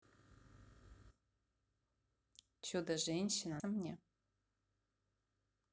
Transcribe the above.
чудо женщина нравится мне